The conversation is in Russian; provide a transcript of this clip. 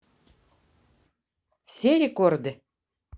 все рекорды